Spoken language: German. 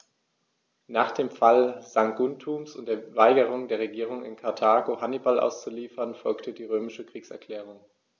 Nach dem Fall Saguntums und der Weigerung der Regierung in Karthago, Hannibal auszuliefern, folgte die römische Kriegserklärung.